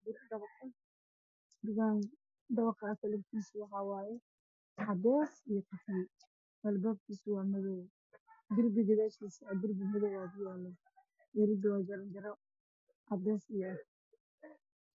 Waa guri dabaq ah midabkiisu waa qaxwi iyo cadeys albaabkuna waa madow, darbiga gadaashiisa waa madow, irida waa janjaro cadeys.